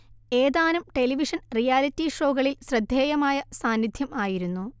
ഏതാനും television reality ഷോകളിൽ ശ്രദ്ധേയമായ സാന്നിദ്ധ്യം ആയിരുന്നു